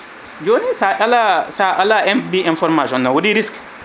joni sa ala sa ala in ɗi information ne waɗi risque